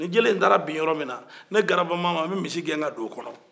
ni jele in taara bin yɔrɔ min ne garabamama ne bɛ misi gɛn ka ta don o kɔnɔ